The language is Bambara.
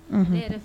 Un